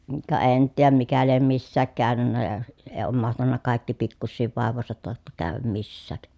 ka en nyt tiedä mikä lie missäkin käynyt ja ei ole mahtanut kaikki pikkuisien vaivojensa tautta käydä missään